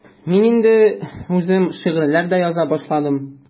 Мин инде үзем шигырьләр дә яза башладым.